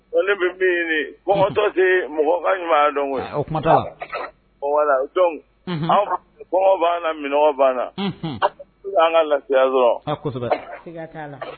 Bon ne bɛ min ɲini kɔngɔtɔ tɛ mɔgɔ ka ɲuman dɔn koyi, o kuma t'a la voilà donc unhun, anw kɔngɔ b'an na, minnɔgɔ b'an na, unhun pourquoi an ka lafiya dɔrɔn